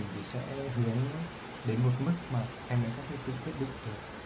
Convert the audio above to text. mình sẽ hướng đến một mức em ấy có thể tự quyết định được